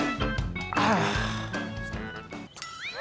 đi mày